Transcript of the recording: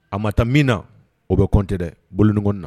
A ma taa min na o bɛ kɔnte dɛ bolo na